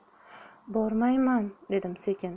bormayman dedim sekin